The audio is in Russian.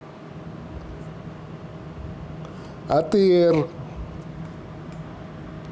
а ты p